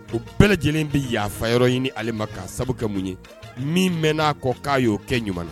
O bɛɛ lajɛlen bɛ yafafa yɔrɔ ɲini alima k'a sababu mun ye min bɛ n'a kɔ k'a y'o kɛ ɲuman na